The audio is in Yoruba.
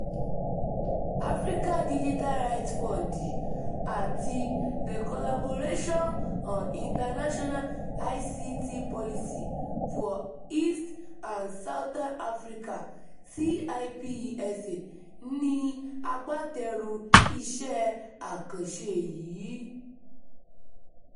Africa Digital Rights Fund àti The Collaboration on International ICT Policy for East and Southern Africa (CIPESA) ni agbátẹrù iṣẹ́ àkànṣe yìí.